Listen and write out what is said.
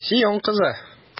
Сион кызы!